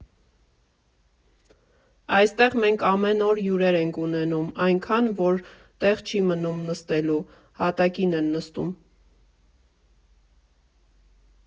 Այստեղ մենք ամեն օր հյուրեր ենք ունենում, այնքան, որ տեղ չի մնում նստելու, հատակին են նստում։